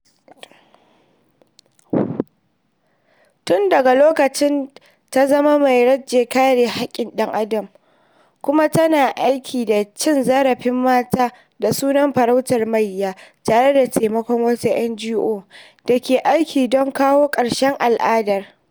Tun daga lokacin ta zama mai rajin kare haƙƙin ɗan adam, kuma tana yaƙi da cin zarafin mata da sunan farautar mayya tare da taimakon wata NGO da ke aiki don kawo ƙarshen al'adar.